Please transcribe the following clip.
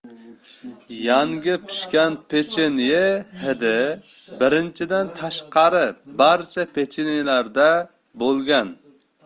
yangi pishgan pechenye hidi birinchidan tashqari barcha pechenyelarda bo'lgan